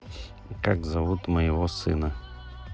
как зовут моего сына